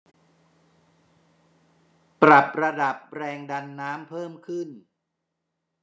ปรับระดับแรงดันน้ำเพิ่มขึ้น